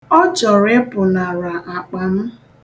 Ọ chọrọ ịpụnara akpa m.